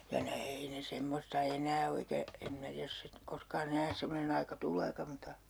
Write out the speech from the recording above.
ja ne ei ne semmoista enää ole eikä en minä tiedä jos - koskaan enää semmoinen aika tuleekaan mutta